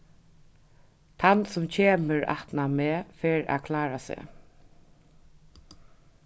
tann sum kemur aftan á meg fer at klára seg